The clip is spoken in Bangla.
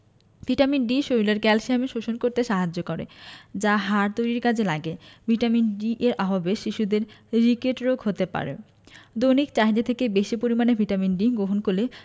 ভিটামিন ডি শরীলের ক্যালসিয়াম শোষণ করতে সাহায্য করে যা হাড় তৈরীর কাজে লাগে ভিটামিন ডি এর অভাবে শিশুদের রিকেট রোগ হতে পারে দৈনিক চাহিদা থেকে বেশী পরিমাণে ভিটামিন ডি গ্রহণ করলে